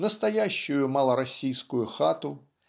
настоящую малороссийскую хату